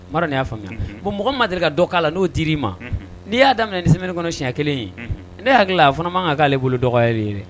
Nin y'a faamuya bon mɔgɔ ma deli ka dɔ k'a la n'o dir i ma n'i y'a daminɛ ni kɔnɔ siɲɛ kelen ye ne hakili a fana' kan k'aale bolo dɔgɔ ye